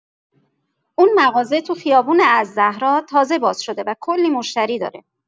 اون مغازه تو خیابون الزهراء تازه باز شده و کلی مشتری داره.